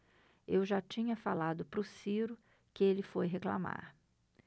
eu já tinha falado pro ciro que ele foi reclamar